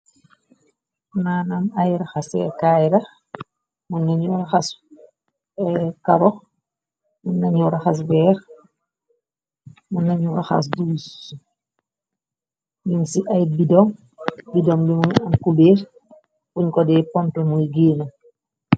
Maanam ay raxase kayra mun nañu raxas karox mun nañu raxas beer mun nañu raxas duus yun ci ay bidoom bidom bimungi am kubeer puñ ko de pomte mu giena.